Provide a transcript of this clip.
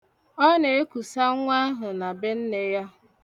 Ọ na-ekusa nwa ahụ na be nne ya.